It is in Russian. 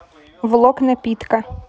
влог напитка